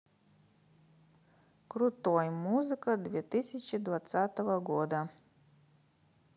крутой музыка две тысячи двадцатого года